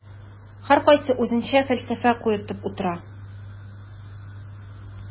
Һәркайсы үзенчә фәлсәфә куертып утыра.